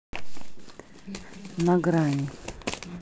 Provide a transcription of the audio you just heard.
на грани